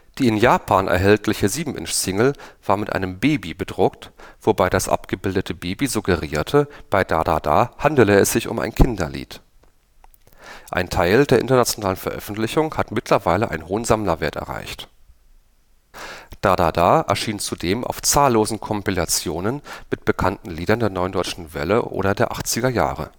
Die in Japan erhältliche 7 "- Single war mit einem Baby bedruckt, wobei das abgebildete Baby suggerierte, bei „ Da da da “handele es sich um ein Kinderlied. Ein Teil der internationalen Veröffentlichungen hat mittlerweile einen hohen Sammlerpreis erreicht. „ Da da da “erschien zudem auf zahllosen Kompilationen mit bekannten Liedern der Neuen Deutschen Welle oder der 80er Jahre